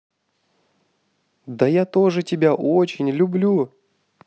да я тоже тебя очень люблю